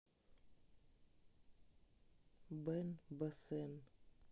бен бэсэн